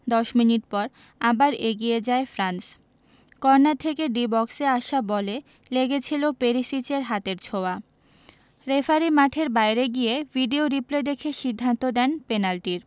১০ minute পর আবার এগিয়ে যায় ফ্রান্স কর্নার থেকে ডি বক্সে আসা বলে লেগেছিল পেরিসিচের হাতের ছোঁয়া রেফারি মাঠের বাইরে গিয়ে ভিডিও রিপ্লে দেখে সিদ্ধান্ত দেন পেনাল্টির